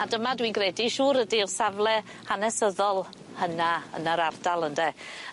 A dyma dwi'n gredu siŵr ydi'r safle hanesyddol hynna yn yr ardal ynde?